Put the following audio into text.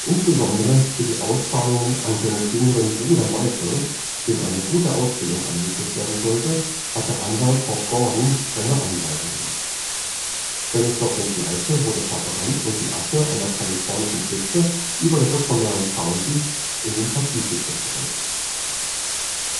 Insbesondere für die Auszahlungen an Janis jüngeren Bruder Michael, dem eine gute Ausbildung ermöglicht werden sollte, hatte Anwalt Bob Gordon strenge Anweisungen. Janis Joplins Leiche wurde verbrannt und die Asche an der kalifornischen Küste (über der Bucht von Marin County) in den Pazifik gestreut.